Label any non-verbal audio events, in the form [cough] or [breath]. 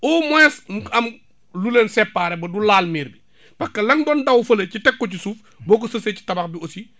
au moins mu am lu leen séparer ba du laal miir bi [breath] parce que la nga doon daw fële ci teg ko ci suuf boo ko sësee tabax bi aussi